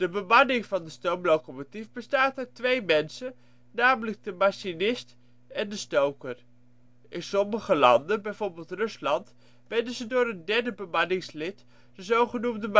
bemanning van de stoomlocomotief bestaat uit twee mensen, namelijk de machinist en de stoker. In sommige landen, bijvoorbeeld Rusland, werden ze door een derde bemanningslid, de zogenoemde